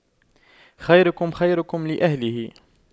خيركم خيركم لأهله